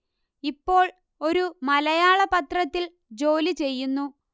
ഇപ്പോൾ ഒരു മലയാള പത്രത്തിൽ ജോലി ചെയ്യുന്നു